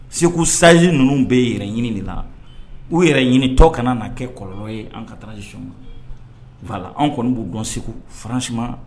Segu saji ninnu bɛ yɛrɛ ɲini de la u yɛrɛ ɲini tɔ kana na kɛ kɔlɔnlɔ ye an ka taaj wala an kɔni b'u dɔn segu fararansi